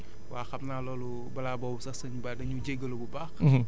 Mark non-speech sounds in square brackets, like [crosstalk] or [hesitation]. [hesitation] [hesitation] waaw xam naa loolu balaa boobu sax s¨£eñ Ba dañuy jégalu bu baax